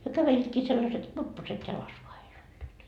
he kävelivätkin sellaiset kurpposet jalassa vain heillä olivat